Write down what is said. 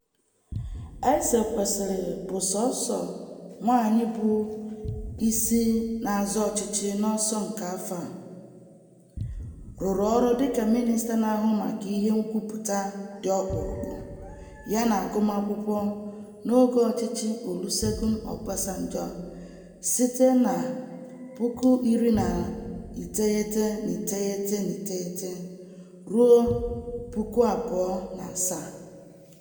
Ezekwesili, bụ sọọsọ nwaanyị bụ isi na-azọ ọchịchị n'ọsọ nke afọ a, rụrụ ọrụ dịka mịnịsta na-ahụ maka ihe ngwupụta dị kpụrụkpụ yana agụmakwụkwọ n'oge ọchịchị Olusegun Obasanjo site na 1999 ruo 2007.